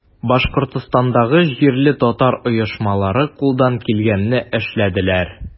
Башкортстандагы җирле татар оешмалары кулдан килгәнне эшләделәр.